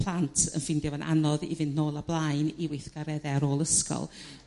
plant yn ffindio fo'n anodd i fynd nôl a blaen i weithgaredde ar ôl ysgol